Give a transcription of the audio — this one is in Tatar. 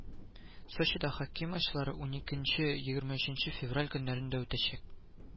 Сочида хоккей матчлары уникенче-егерме өченче февраль көннәрендә үтәчәк